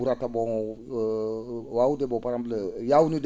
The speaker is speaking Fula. ?urata ngu waawde bo par* yaawnude